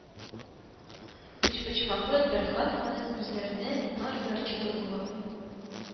Өчпочмаклы бер хат аның күзләренә мина ярчыгы булып